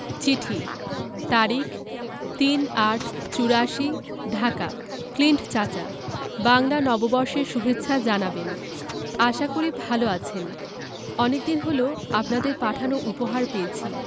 চিঠি তারিখ ৩ ৮ ৮৪ ঢাকা ক্লিন্ট চাচা বাংলা নববর্ষের সুভেচ্ছা জানাবেন আশা করি ভালো আছেন অনেকদিন হল আপনাদের পাঠানো উপহার পেয়েছি